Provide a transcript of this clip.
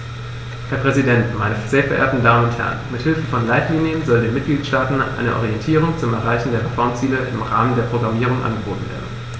Herr Präsident, meine sehr verehrten Damen und Herren, mit Hilfe von Leitlinien soll den Mitgliedstaaten eine Orientierung zum Erreichen der Reformziele im Rahmen der Programmierung angeboten werden.